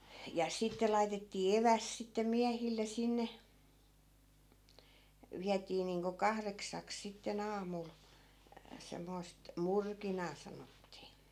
ja sitten laitettiin evästä sitten miehille sinne vietiin niin kuin kahdeksaksi sitten aamulla semmoista murkinaa sanottiin